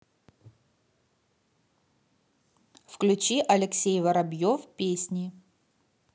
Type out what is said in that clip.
включи алексей воробьев песни